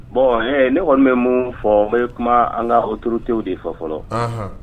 Bon ne kɔni bɛ mun fɔ o kuma an ka otourutew de fa fɔlɔ